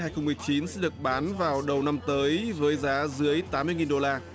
hai không mười chín sẽ được bán vào đầu năm tới với giá dưới tám mươi nghìn đô la